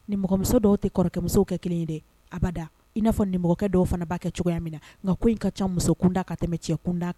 Ninmɔgɔmuso dɔw tɛ kɔrɔkɛmuso kɛ kelen ye de aba da in n'a fɔ ninkɛ dɔw fana b'a kɛ cogoya min na nka ko in ka ca muso kunda ka tɛmɛ cɛ kunda kan